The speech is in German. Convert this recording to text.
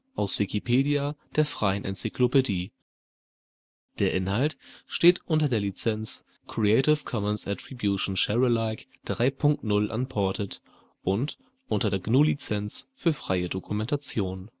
aus Wikipedia, der freien Enzyklopädie. Mit dem Stand vom Der Inhalt steht unter der Lizenz Creative Commons Attribution Share Alike 3 Punkt 0 Unported und unter der GNU Lizenz für freie Dokumentation